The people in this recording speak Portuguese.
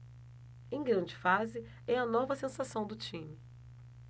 em grande fase é a nova sensação do time